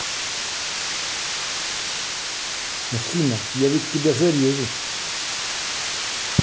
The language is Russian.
афина я ведь тебя зарежу